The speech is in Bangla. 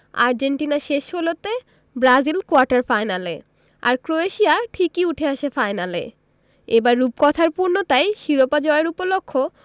আর্জেন্টিনা শেষ ষোলোতে ব্রাজিল কোয়ার্টার ফাইনালে আর ক্রোয়েশিয়া ঠিকই উঠে আসে ফাইনালে এবার রূপকথার পূর্ণতায় শিরোপা জয়ের উপলক্ষ